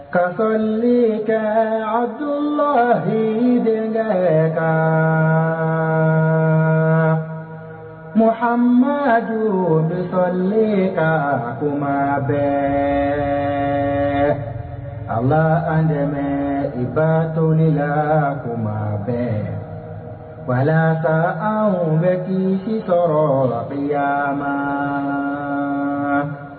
Ka sɔ kɛ a don yen kɛ ka mɔgɔmadon sɔlen kakoma bɛ a la an dɛmɛ i batoni lakoma bɛɛ walasa an bɛ jigin' sɔrɔ laya ma